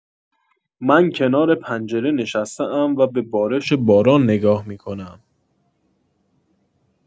من کنار پنجره نشسته‌ام و به بارش باران نگاه می‌کنم.